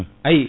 ayi